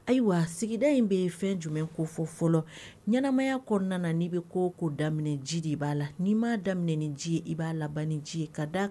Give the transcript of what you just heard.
Ayiwa sigida in bɛ ye fɛn jumɛn ko fɔ fɔlɔ ɲɛnaɛnɛmaya kɔnɔna' bɛ ko ko daminɛ ji de b' la nii m ma daminɛ ji i b'a la labanbanni nci ka da